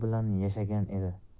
bilan yashagan edi